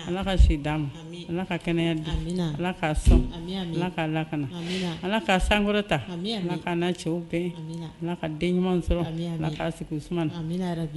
Ala ka se d'a ma ala ka kɛnɛya da ala k'a sɔn k'a lakana ala k'a sankɔrɔ ta' na cɛw bɛɛ ka den ɲuman sɔrɔ sigi u sumaumana na